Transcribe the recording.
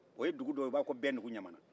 o ye dugu dɔ ye u b'a fo ma ko bɛndugu ɲamana